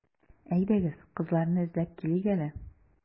Әйдәгез, кызларны эзләп килик әле.